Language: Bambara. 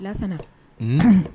Las